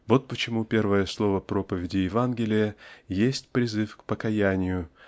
Вот почему первое слово проповеди Евангелия есть призыв к покаянию